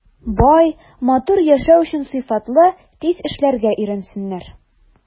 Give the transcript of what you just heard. Бай, матур яшәү өчен сыйфатлы, тиз эшләргә өйрәнсеннәр.